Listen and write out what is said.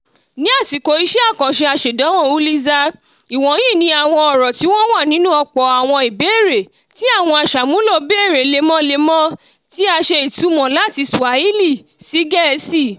Ní àsìkò iṣẹ́ àkànṣe aṣèdánwò Uliza, ìwọ̀nyìí ni àwọn ọ̀rọ̀ tí wọ́n wà nínú ọ̀pọ̀ àwọn ìbéèrè tí àwọn aṣàmúlò bèèrè lemọ́lemọ́ (tí a ṣe ìtumọ̀ láti Swahili sí Gẹ̀ẹ́sì).